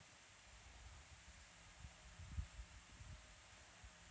конечно понимаю очень